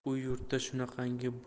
u yurtda shunaqangi